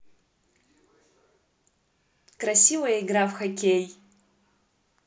красивая игра в хоккей